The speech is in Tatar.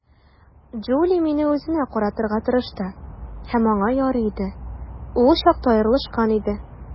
Джули мине үзенә каратырга тырышты, һәм аңа ярый иде - ул чакта аерылышкан иде.